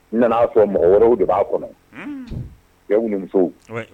N nana'a fɔ mɔgɔ wɛrɛw de b'a kɔnɔ musoww